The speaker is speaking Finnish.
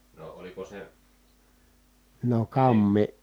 no oliko se -